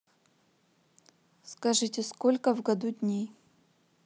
скажите сколько в году дней